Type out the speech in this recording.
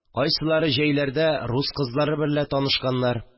Кайсылары җәйләрдә рус кызлары берлә танышканнар